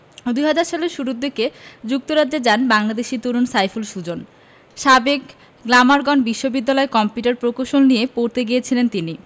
২০০০ সালের শুরু দিকে যুক্তরাজ্যে যান বাংলাদেশি তরুণ সাইফুল সুজন সাবেক গ্লামারগন বিশ্ববিদ্যালয়ে কম্পিউটার প্রকৌশল নিয়ে পড়তে গিয়েছিলেন তিনি